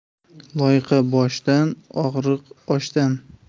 loyqa boshdan og'riq oshdan